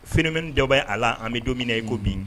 Fminɛ dɔ bɛ a la an bɛ donmina i ko bin